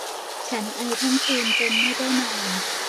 ฉันไอทั้งคืนจนไม่ได้นอน